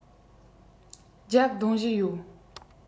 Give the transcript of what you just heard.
བརྒྱབ རྡུང བཞིན ཡོད